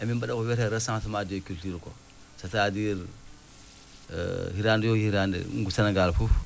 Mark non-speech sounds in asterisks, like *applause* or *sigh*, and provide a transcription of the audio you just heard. emin mbaɗa ko wiyetee recensement du culture ko c' à dire *hesitation* hitaande yoo hitaande ɗum ko Sénégal fof